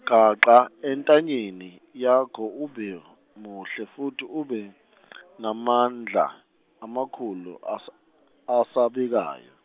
gaxa entanyeni yakho ubel- muhle futhi ube namandla amakhulu as- asabekayo.